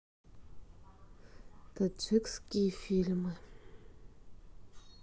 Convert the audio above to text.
таджикские фильмы